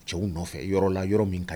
Cɛw nɔfɛ yɔrɔ la yɔrɔ min ta